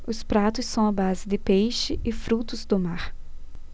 os pratos são à base de peixe e frutos do mar